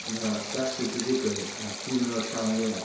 Ma' Brexit yn digwydd ar diwrnod Calan Gaeaf.